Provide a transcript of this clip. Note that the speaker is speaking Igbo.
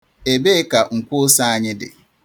Ebee ka nkwoose anyị dị?